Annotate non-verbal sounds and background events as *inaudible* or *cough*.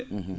*hesitation* *hesitation*